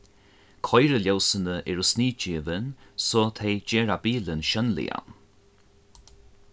koyriljósini eru sniðgivin so tey gera bilin sjónligan